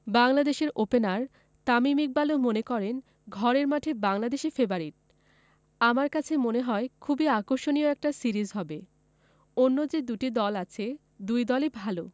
বাংলাদেশের ওপেনার তামিম ইকবালও মনে করেন ঘরের মাঠে বাংলাদেশই ফেবারিট আমার কাছে মনে হয় খুবই আকর্ষণীয় একটা সিরিজ হবে অন্য যে দুটি দল আছে দুই দলই ভালো